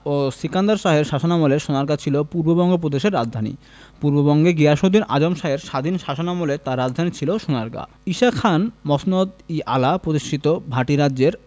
ও সিকান্দর শাহের শাসনামলে সোনারগাঁও ছিল পূর্ববঙ্গ প্রদেশের রাজধানী পূর্ববঙ্গে গিয়াসুদ্দীন আযম শাহের স্বাধীন শাসনামলে তাঁর রাজধানী ছিল সোনারগাঁও ঈসা খান মসনদ ই আলা প্রতিষ্ঠিত ভাটি রাজ্যের